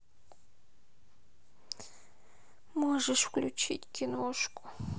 можешь включить киношку